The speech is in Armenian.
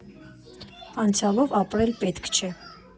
Անցյալով ապրել պետք չէ։